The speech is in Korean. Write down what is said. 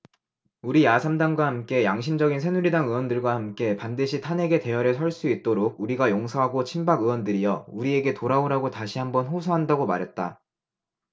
우리 야 삼 당과 함께 양심적인 새누리당 의원들과 함께 반드시 탄핵에 대열에 설 수 있도록 우리가 용서하고 친박 의원들이여 우리에게 돌아오라고 다시 한 번 호소한다고 말했다